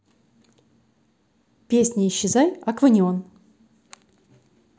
песня исчезай aquaneon